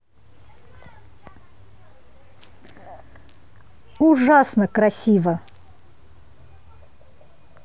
ужасно красиво